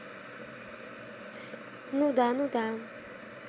ну да ну да